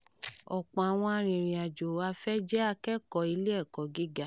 Ọ̀pọ̀ àwọn arìnrìn-àjò afẹ́ jẹ́ akẹ́kọ̀ọ́ ilé-ẹ̀kọ́ gíga.